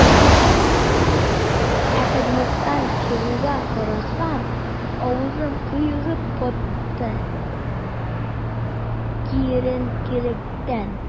Ә кабинеттан чыгуга, карасам - авызым кыегаеп катты, киеренкелектән.